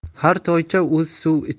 har toycha o'zi